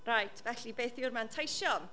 Right felly beth yw'r manteision?